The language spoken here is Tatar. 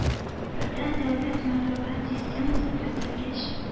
Бердәм дәүләт мәгълүмат системасы кертелгәч,